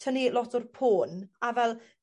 tynnu lot o'r pon, a fel